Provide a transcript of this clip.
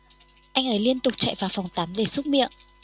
anh ấy liên tục chạy vào phòng tắm để xúc miệng